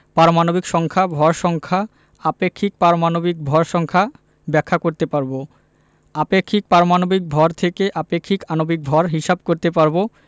পারমাণবিক সংখ্যা ভর সংখ্যা আপেক্ষিক পারমাণবিক ভর ব্যাখ্যা করতে পারব আপেক্ষিক পারমাণবিক ভর থেকে আপেক্ষিক আণবিক ভর হিসাব করতে পারব